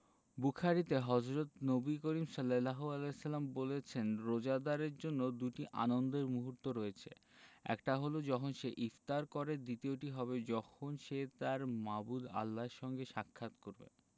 বুখারিতে হজরত নবী করিম সা বলেছেন রোজাদারের জন্য দুটি আনন্দের মুহূর্ত রয়েছে একটি হলো যখন সে ইফতার করে দ্বিতীয়টি হবে যখন সে তাঁর মাবুদ আল্লাহর সঙ্গে সাক্ষাৎ করবে